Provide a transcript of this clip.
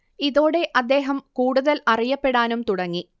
ഇതോടെ അദ്ദേഹം കൂടുതൽ അറിയപ്പെടാനും തുടങ്ങി